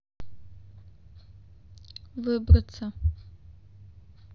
выбраться